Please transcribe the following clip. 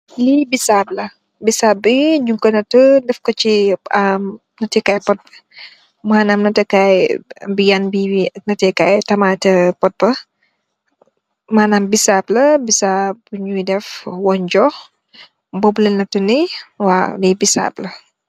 Lii bisaap la, bisaap bi ñuñ ko nata, def ko si pooti natee kaay bi, natee kaay, B an B, natee kaay i pot bi. Maanam bisaap la, bisaap bu ñuy defee wanjo.